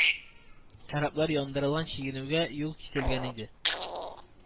Кораблар яндырылган, чигенүгә юл киселгән иде